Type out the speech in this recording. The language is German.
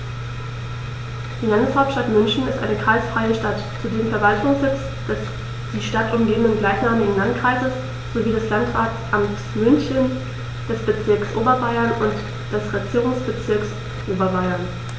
Die Landeshauptstadt München ist eine kreisfreie Stadt, zudem Verwaltungssitz des die Stadt umgebenden gleichnamigen Landkreises sowie des Landratsamtes München, des Bezirks Oberbayern und des Regierungsbezirks Oberbayern.